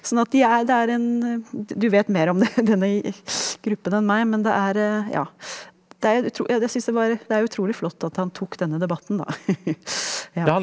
sånn at de er det er en du vet mer om det denne gruppen enn meg, men det er ja det er et ja jeg syns det var det er utrolig flott at han tok denne debatten da ja.